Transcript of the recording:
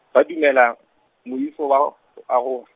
ba dumela moifo wa, ho aroha.